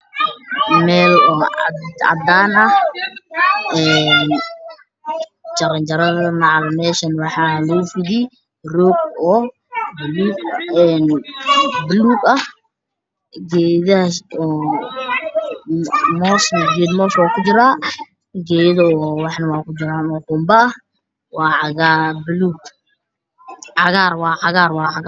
Meeshaan waa meel cadaan ah oo roog lugu fidiyay buluug ah, waxaa kabaxaayo geedo qumbe oo cagaaran.